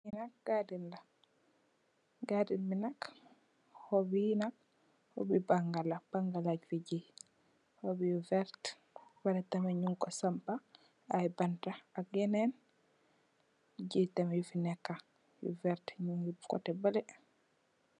Lii nak garden la, garden bii nak, hohbi nak, hohbi bangah la, bangah len fii gihh, hohb yu vert, beh pareh tamit njung kor sampah aiiy bantah ak yenen gihhw tamit yufii neka yu vert, mungy coteh behleh.